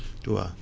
tu vois